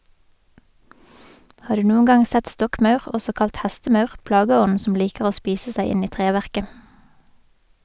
Har du noen gang sett stokkmaur, også kalt hestemaur, plageånden som liker å spise seg inn i treverket?